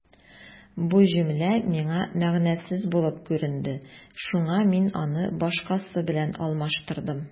Бу җөмлә миңа мәгънәсез булып күренде, шуңа мин аны башкасы белән алмаштырдым.